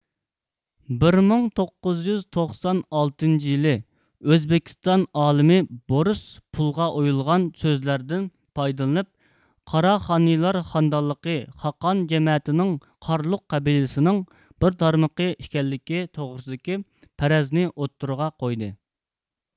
بىر مىڭ توققۇزيۈز توقسان ئالتىنچى يىلى ئۆزبېكىستان ئالىمى بورس پۇلغا ئويۇلغان سۆزلەردىن پايدىلىنىپ قاراخانىيلار خانىدانلىقى خاقان جەمەتىنىڭ قارلۇق قەبىلىسىنىڭ بىر تارمىقى ئىكەنلىكى توغرىسىدىكى پەرەزنى ئوتتۇرىغا قويدى